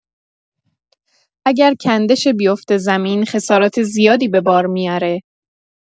اگر کنده شه بیفته زمین خسارات زیادی به بار میاره